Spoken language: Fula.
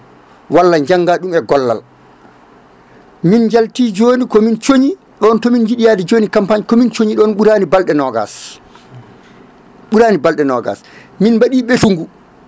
walla jangga ɗum e gollal min jalti joni komin cooñi ɗo tomin jiiɗi yaade joni campagne komin cooñi ɗon ɓuurani balɗe nogas ɓuurani balɗe nogas min mbaɗi ɓesgu